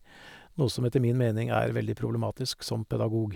Noe som etter min mening er veldig problematisk som pedagog.